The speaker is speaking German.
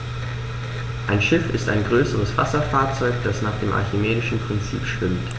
Ein Schiff ist ein größeres Wasserfahrzeug, das nach dem archimedischen Prinzip schwimmt.